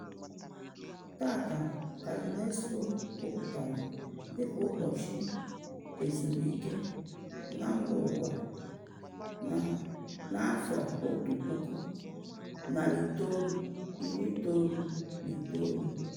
Taata ka UNESCO kwupụtara dịka Ụbọchị Ezemụike Mbaụwa na 1999.